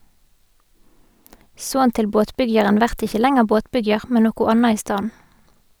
Son til båtbyggjaren vert ikkje lenger båtbyggjar, men noko anna i staden.